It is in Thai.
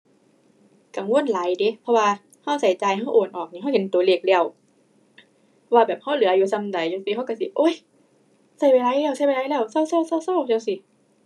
กังวลหลายเดะ เพราะว่าเราเราจ่าย เราโอนออกนี่ เราเห็นเราเลขแล้ว ว่าแบบเราเหลืออยู่ส่ำใดจั่งซี้ เราเราสิ โอ้ย เราไปหลายแล้วเราไปหลายแล้ว เซาเซาเซาเซาจั่งซี้